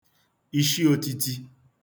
ishiōtītī